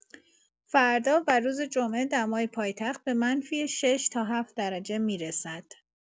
فردا و روز جمعه دمای پایتخت به منفی ۶ تا ۷ درجه می‌رسد.